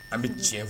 An bɛ cɛn fɛ